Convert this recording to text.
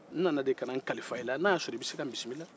n nana de ka na n kalifa i la n'a ya sɔr'i bɛ se ka n bisimila